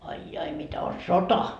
ai ai ai ai mitä on sota